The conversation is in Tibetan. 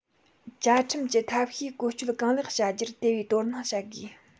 བཅའ ཁྲིམས ཀྱི ཐབས ཤེས བཀོལ སྤྱོད གང ལེགས བྱ རྒྱུར དེ བས དོ སྣང བྱ དགོས